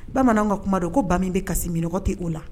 Bamananw ka kuma don ko ba min bɛ kasi minɔgɔ kɛ o la